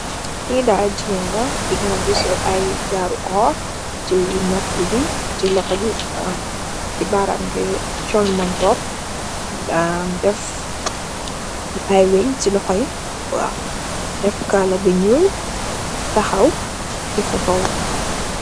Mu jigéen la muy sol ay serr bu wurus, am ay montaar ci loxoam, dafa setal ay naayam te dafa sol ay weñ wu ñuul, mu taxaw di jël nataal.